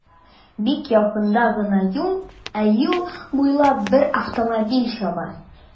Бик якында гына юл, ә юл буйлап бер автомобиль чаба.